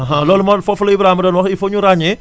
loolu moo foofu la Ibrahima doon wax il faut que ñu ràññee